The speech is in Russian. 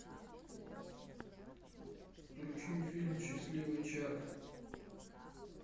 включи фильм счастливый чак